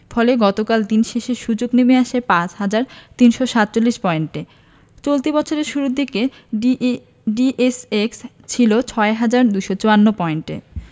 ফলে গতকাল দিন শেষে সূচক নেমে আসে ৫ হাজার ৩৪৭ পয়েন্টে চলতি বছরের শুরুর দিনে ডিএসইএক্স ছিল ৬ হাজার ২৫৪ পয়েন্টে